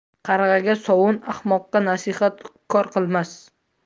qarg'aga sovun ahmoqqa nasihat kor qilmas